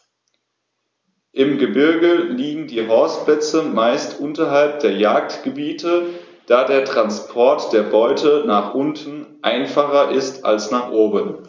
Im Gebirge liegen die Horstplätze meist unterhalb der Jagdgebiete, da der Transport der Beute nach unten einfacher ist als nach oben.